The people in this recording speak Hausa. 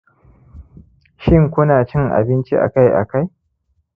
shin ku na cin abinci akai-akai